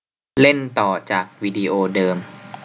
เล่นต่อจากวิดีโอเดิม